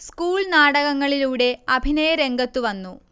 school നാടകങ്ങളിലൂടെ അഭിനയ രംഗത്തു വന്നു